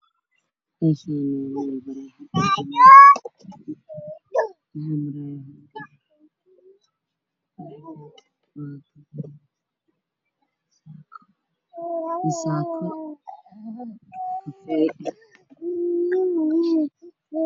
Waa naag waxay qabtaa xijaab iyo saako saaka galgaduud waa caddaani gudub tay